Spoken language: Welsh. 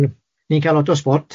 O ni'n cael lot o sbort.